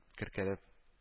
Кергәләп